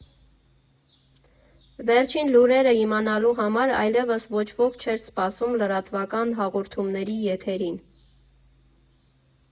Վերջին լուրերը իմանալու համար այլևս ոչ ոք չէր սպասում լրատվական հաղորդումների եթերին։